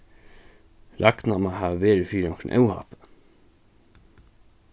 ragna má hava verið fyri onkrum óhappi